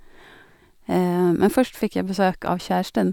Men først fikk jeg besøk av kjæresten.